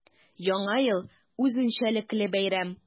Яңа ел – үзенчәлекле бәйрәм.